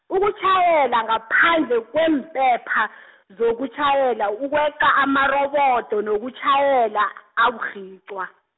ukutjhayela ngaphandle kweempepha , zokutjhayela ukweqa amarobodo nokutjhayela aburhicwa.